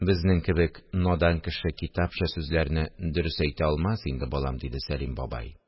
Безнең кебек надан кеше китапча сүзләрне дөрес әйтә алмас инде, балам, – диде Сәлим бабай